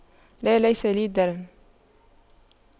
لا ليس لي درن